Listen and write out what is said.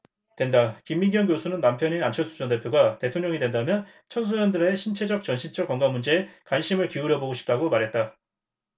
된다 김미경 교수는 남편인 안철수 전 대표가 대통령이 된다면 청소년들의 신체적 정신적 건강 문제에 관심을 기울여 보고 싶다고 말했다